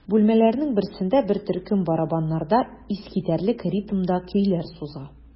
Бүлмәләрнең берсендә бер төркем барабаннарда искитәрлек ритмда көйләр суза.